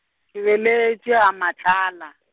ke belegetšwe gaMatlala.